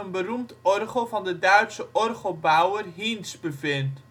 beroemd orgel van de Duitse orgelbouwer Hinsz bevindt